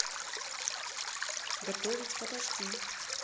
готовить подожди